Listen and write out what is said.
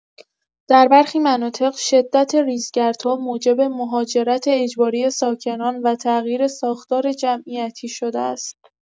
در برخی مناطق، شدت ریزگردها موجب مهاجرت اجباری ساکنان و تغییر ساختار جمعیتی شده است.